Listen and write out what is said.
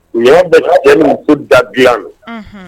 U y'a bɛ muso da bi